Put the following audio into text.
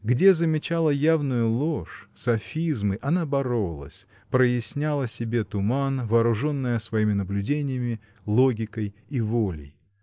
Где замечала явную ложь, софизмы, она боролась, проясняла себе туман, вооруженная своими наблюдениями, логикой и волей.